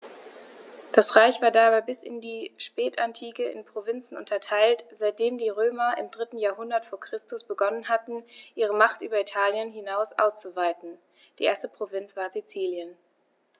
Das Reich war dabei bis in die Spätantike in Provinzen unterteilt, seitdem die Römer im 3. Jahrhundert vor Christus begonnen hatten, ihre Macht über Italien hinaus auszuweiten (die erste Provinz war Sizilien).